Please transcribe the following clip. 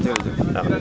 jërëjëf